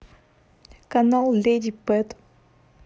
канал леди пэт